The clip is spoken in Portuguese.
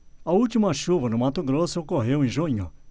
a última chuva no mato grosso ocorreu em junho